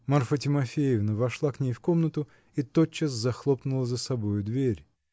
Марфа Тимофеевна вошла к ней в комнату и тотчас захлопнула за собою дверь.